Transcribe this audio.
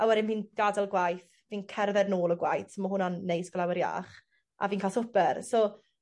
A wedyn fi'n gadel gwaith fi'n cerdded nôl o gwaith ma' hwnna'n neis ga'l awyr iach. A fi'n ca'l swper so